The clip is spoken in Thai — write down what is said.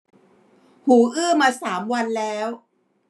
หูอื้อมาสามวันแล้ว